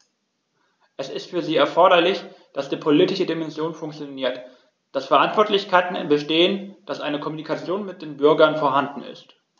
Es ist für sie erforderlich, dass die politische Dimension funktioniert, dass Verantwortlichkeiten bestehen, dass eine Kommunikation mit den Bürgern vorhanden ist.